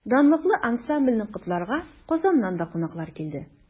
Данлыклы ансамбльне котларга Казаннан да кунаклар килде.